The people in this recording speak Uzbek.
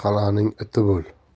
qal'aning iti bo'l